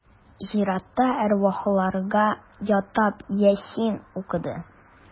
Зиратта әрвахларга атап Ясин укыды.